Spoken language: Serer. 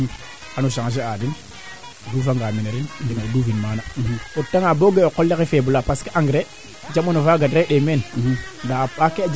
ndax nangam nangam ndaa aussi jamano feeke tembe tembe fojemo le foga teen coté le in parce que aussi kaaga yit kaa ref facteur naa ando naye fook i souligner an